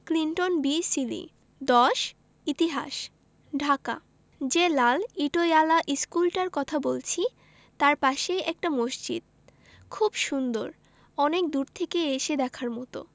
Clinton B Seely ১০ ইতিহাস ঢাকা যে লাল ইটোয়ালা ইশকুলটার কথা বলছি তাই পাশেই একটা মসজিদ খুব সুন্দর অনেক দূর থেকে এসে দেখার মতো